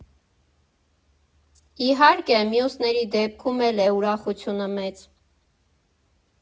Իհարկե, մյուսների դեպքում էլ է ուրախությունը մեծ։